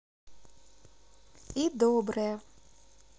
и доброе